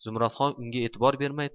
zumradxon unga e'tibor bermay